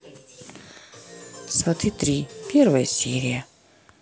сваты три первая серия